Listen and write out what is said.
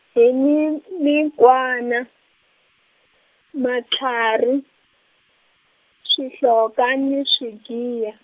hi ni m-, mikwana, matlhari, swihloka ni swigiya.